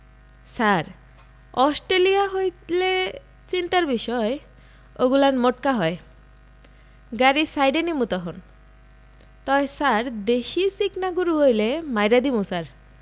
ছার Australia হইলে চিন্তার বিষয় ওগুলান মোটকা হয় গাড়ি সাইডে নিমু তহন তয় ছার দেশি চিকনা গরু হইলে মাইরা দিমু ছার